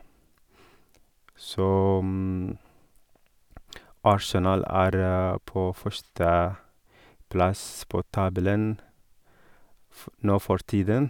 Så Arsenal er på førsteplass på tabellen fo nå for tiden.